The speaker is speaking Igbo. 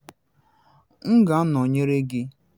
M ga-anọnyere gị.